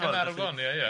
Cynarfon, ia ia.